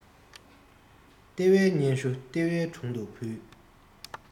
ལྟེ བའི སྙན ཞུ ལྟེ བའི དྲུང དུ ཕུལ